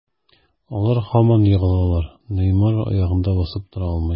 Алар һаман егылалар, Неймар аягында басып тора алмый.